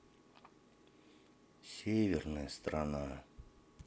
северная страна